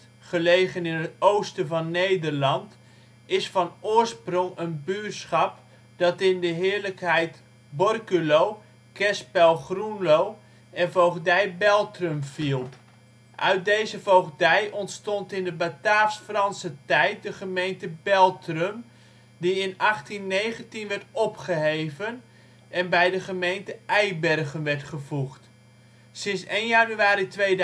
gelegen in het oosten van Nederland, is van oorsprong een buurschap dat in de heerlijkheid Borculo, kerspel Groenlo en voogdij Beltrum viel. Uit deze voogdij ontstond in de Bataafs-Franse tijd de gemeente Beltrum, die in 1819 werd opgeheven en bij de gemeente Eibergen werd gevoegd. Sinds 1 januari 2005